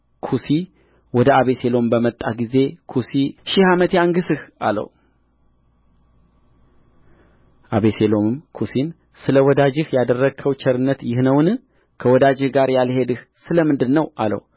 ኩሲ ወደ አቤሴሎም በመጣ ጊዜ ኩሲ ሺህ ዓመት ያንግሥህ አለው አቤሴሎምም ኩሲን ስለ ወዳጅህ ያደረግኸው ቸርነት ይህ ነውን ከወዳጅህ ጋር ያልሄድህ ስለምንድር ነው አለው